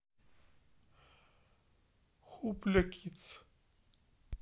хупля кидс